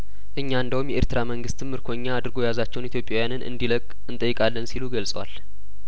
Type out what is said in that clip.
እኛ እንደውም የኤርትራ መንግስት ምምርኮኛ አድርጐ የያዛቸውን ኢትዮጵያውያንን እንዲለቅ እንጠይቃለን ሲሉ ገልጿል